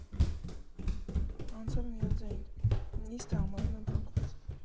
Անցավ միաձայն, Նիստը հայտարարում եմ փակված։